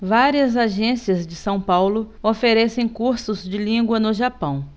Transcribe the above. várias agências de são paulo oferecem cursos de língua no japão